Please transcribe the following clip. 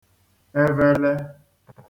evele